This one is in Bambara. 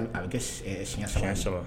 A bɛ kɛ siɲɛ 3